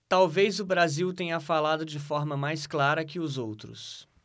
talvez o brasil tenha falado de forma mais clara que os outros